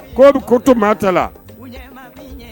Ko bɛ ko to maa ta la